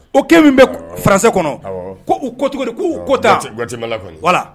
O ko min bɛ fara kɔnɔ ko' ko cogo k'u kota wala